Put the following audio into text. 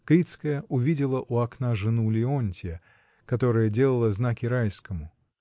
Крицкая увидела у окна жену Леонтья, которая делала знаки Райскому.